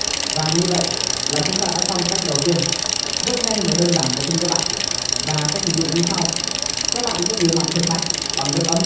và như vậy là chúng ta đã xong cách đầu tiên rất nhanh và đơn giản phải không các bạn và cách sử dụng như sau các bạn rửa mặt thật sạch bằng nước ấm